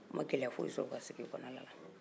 u ma gɛlɛ foyi sɔrɔ u ka sigi kɔnɔna na